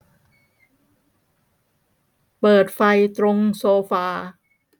เปิดไฟตรงโซฟา